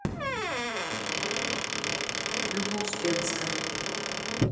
люба успенская